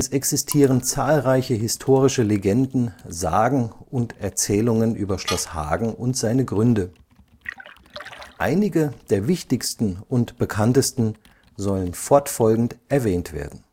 existieren zahlreiche historische Legenden, Sagen und Erzählungen über Schloss Hagen und seine Gründe. Einige der wichtigsten und bekanntesten sollen fortfolgend erwähnt werden